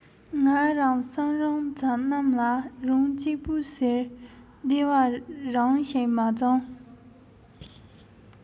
ང རང བསམ རུང བྱ རྣམས ལ རང གཅིག པོས ཟེར བདེ བ རང ཞིག མ བྱུང